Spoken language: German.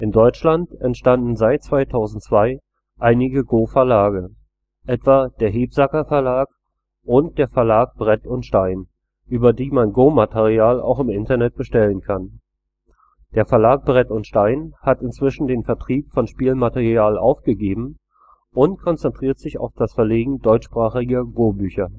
Deutschland entstanden seit 2002 einige Go-Verlage, etwa der Hebsacker Verlag und der Verlag Brett und Stein, über die man Go-Material auch im Internet bestellen kann. Der Verlag Brett und Stein hat inzwischen den Vertrieb von Spielmaterial aufgegeben und konzentriert sich auf das Verlegen deutschsprachiger Gobücher